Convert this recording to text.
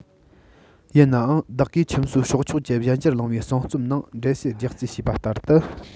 ཡིན ནའང བདག གིས ཁྱིམ གསོས སྲོག ཆགས ཀྱི གཞན འགྱུར གླེང བའི གསུང རྩོམ ནང འགྲེལ བཤད རྒྱག རྩིས བྱས པ ལྟར ཏུ